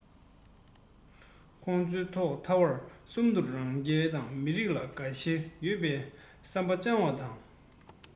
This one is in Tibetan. ཁོ ཚོས ཐོག མཐའ བར གསུམ དུ རང གི རྒྱལ ཁབ དང མི རིགས ལ དགའ ཞེན ཡོད པའི བསམ པ འཆང བ དང